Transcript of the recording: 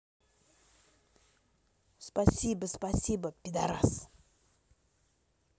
спасибо спасибо пидарас